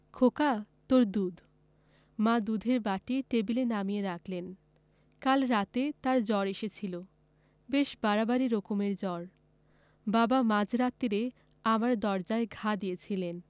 খোকা তোর দুধ মা দুধের বাটি টেবিলে নামিয়ে রাখলেন কাল রাতে তার জ্বর এসেছিল বেশ বাড়াবাড়ি রকমের জ্বর বাবা মাঝ রাত্তিরে আমার দরজায় ঘা দিয়েছিলেন